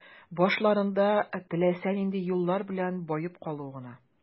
Башларында теләсә нинди юллар белән баеп калу гына.